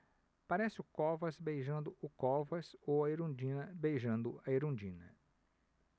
parece o covas beijando o covas ou a erundina beijando a erundina